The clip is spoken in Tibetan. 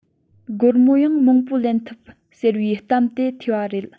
སྒོར མོ ཡང མང བོ ལེན ཐུབ ཟེར བའི གཏམ དེ ཐོས པ རེད